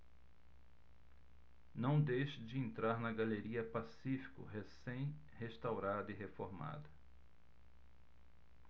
não deixe de entrar na galeria pacífico recém restaurada e reformada